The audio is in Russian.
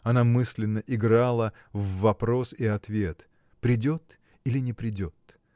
Она мысленно играла в вопрос и ответ: придет или не придет?